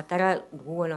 A taara dugu kɔnɔ